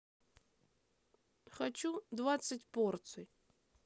хочу двадцать порций